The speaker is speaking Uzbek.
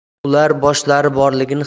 ular boshlari borligini